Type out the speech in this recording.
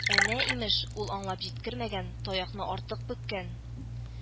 Әнә, имеш, ул аңлап җиткермәгән, таякны артык бөккән…